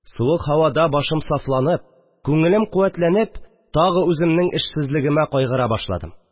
Суык һавада башым сафланып, күңелем куәтләнеп, тагы үземнең эшсезлегемә кайгыра башладым